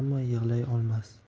ammo yig'lay olmas